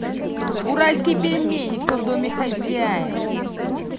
уральские пельмени кто в доме хозяин